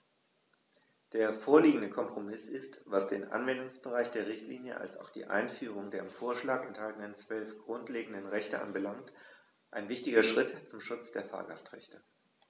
Der vorliegende Kompromiss ist, was den Anwendungsbereich der Richtlinie als auch die Einführung der im Vorschlag enthaltenen 12 grundlegenden Rechte anbelangt, ein wichtiger Schritt zum Schutz der Fahrgastrechte.